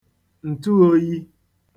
ǹtụōyī